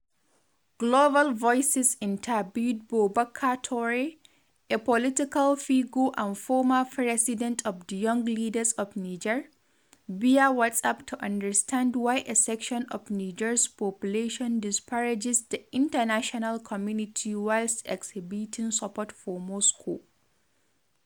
Global Voices interviewed Boubacar Touré, a political figure and former president of the Young Leaders of Niger, via WhatsApp to understand why a section of Niger's population disparages the international community whilst exhibiting support for Moscow.